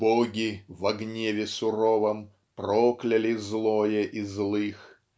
Боги во гневе суровом Прокляли злое и злых